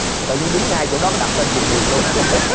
tự nhiên đứng ngay chỗ đó có đặt tên vùng miền luôn